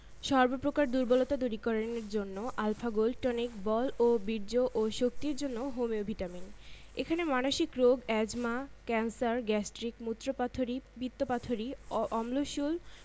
১২ বিজ্ঞাপন আশির দশকের বিজ্ঞাপন আলফা গোল্ড